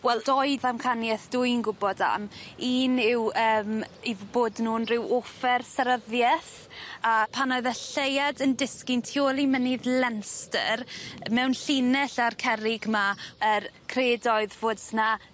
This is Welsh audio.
Wel doi ddamcanieth dwi'n gwbod am un yw yym 'i bod nw'n ryw offer seryddieth a pan oedd y lleuad yn disgyn tu ôl i mynydd Lemster mewn llinell â'r cerrig 'ma yr cred oedd fod s- 'na